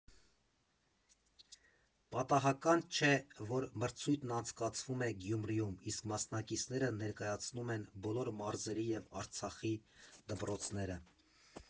Պատահական չէ, որ մրցույթն անցկացվում է Գյումրիում, իսկ մասնակիցները ներկայացնում են բոլոր մարզերի և Արցախի դպրոցները։